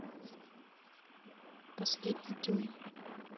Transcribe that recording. последний дюйм